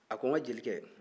a ko n ka jelikɛ